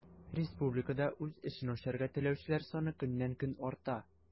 Республикада үз эшен ачарга теләүчеләр саны көннән-көн арта.